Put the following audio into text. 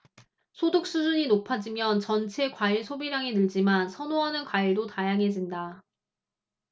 소득 수준이 높아지면 전체 과일 소비량이 늘지만 선호하는 과일도 다양해진다